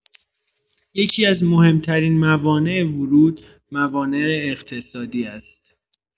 یکی‌از مهم‌ترین موانع ورود، موانع اقتصادی است.